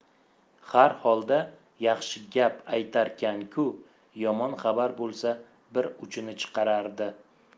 har holda yaxshi gap aytarkan ku yomon xabar bo'lsa bir uchini chiqarardi